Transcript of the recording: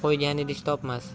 qo'ygani idish topmas